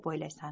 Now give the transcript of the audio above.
deb oylaysan